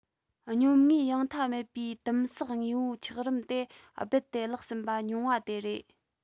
སྙོམས ངོས ཡངས མཐའ མེད པའི དིམ བསགས དངོས པོའི ཆགས རིམ དེ རྦད དེ བརླག ཟིན པ ཉུང བ དེ རེད